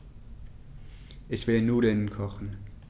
Ich will Nudeln kochen.